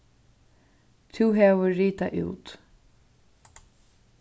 tú hevur ritað út